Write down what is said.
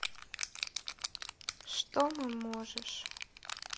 что мы можешь